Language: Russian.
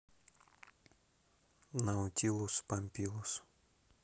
наутилус помпилиус